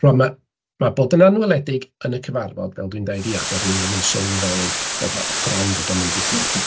Rŵan ma' ma' bod yn anweledig yn y cyfarfod, fel dwi'n deud, ia bod rywun ddim yn sylweddoli bod o bron bod o'n digwydd.